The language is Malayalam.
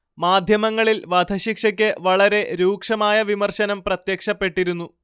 മാദ്ധ്യമങ്ങളിൽ വധശിക്ഷയ്ക്ക് വളരെ രൂക്ഷമായ വിമർശനം പ്രത്യക്ഷപ്പെട്ടിരുന്നു